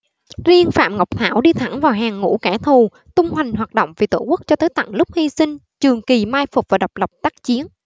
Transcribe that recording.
riêng phạm ngọc thảo đi thẳng vào hàng ngũ kẻ thù tung hoành hoạt động vì tổ quốc cho tới tận lúc hy sinh trường kỳ mai phục và độc lập tác chiến